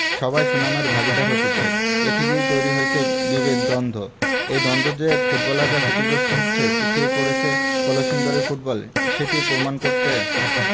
সবাই সুনামের ভাগীদার হতে চায় এ থেকেই তৈরি হয়েছে বিভেদ দ্বন্দ্ব এই দ্বন্দ্বে যে ফুটবলাররা ক্ষতিগ্রস্ত হচ্ছে পিছিয়ে পড়ছে কলসিন্দুরের ফুটবল সেটির প্রমাণ করতে